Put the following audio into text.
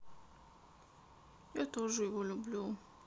я тоже его люблю